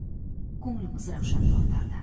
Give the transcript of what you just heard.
ko'nglimiz ravshan tortardi